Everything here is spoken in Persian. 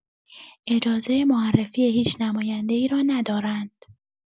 اجازه معرفی هیچ نماینده‌ای را ندارند؛